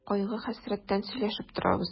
Кайгы-хәсрәттән сөйләшеп торабыз.